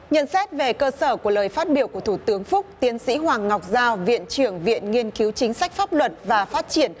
nhận xét về cơ sở của lời phát biểu của thủ tướng phúc tiến sĩ hoàng ngọc giao viện trưởng viện nghiên cứu chính sách pháp luật và phát triển